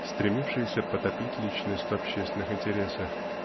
стремившиеся потопить личность в общественных интересах